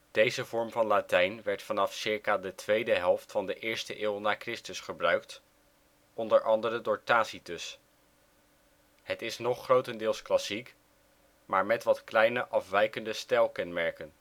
Deze vorm van Latijn werd vanaf ca. de tweede helft van de eerste eeuw na Christus gebruikt, onder andere door Tacitus. Het is nog grotendeels klassiek, maar met wat kleine afwijkende stijlkenmerken